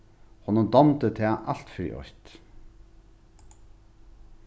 honum dámdi tað alt fyri eitt